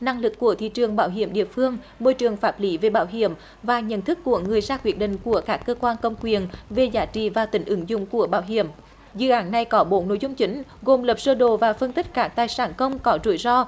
năng lực của thị trường bảo hiểm địa phương môi trường pháp lý về bảo hiểm và nhận thức của người ra quyết định của các cơ quan công quyền về giá trị và tính ứng dụng của bảo hiểm dự án này có bốn nội dung chính gồm lập sơ đồ và phương tất cả tài sản công có rủi ro